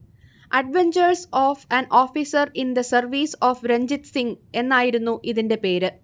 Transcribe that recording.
adventures of an officer in the service of Ranjit Singh എന്നായിരുന്നു ഇതിന്റെ പേര്